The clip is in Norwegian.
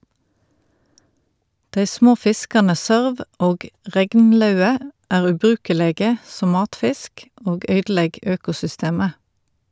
Dei små fiskane sørv og regnlaue er ubrukelege som matfisk og øydelegg økosystemet.